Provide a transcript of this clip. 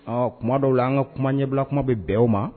Ɔ kuma dɔw la an ka kuma ɲɛbila kuma bɛ bɛn o ma